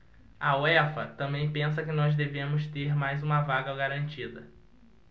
a uefa também pensa que nós devemos ter mais uma vaga garantida